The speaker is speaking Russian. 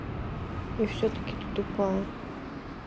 и все таки ты тупая